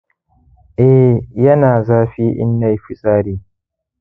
eh, yana zafi in nayi fitsari.